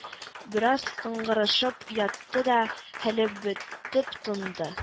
Бераз ыңгырашып ятты да, хәле бетеп тынды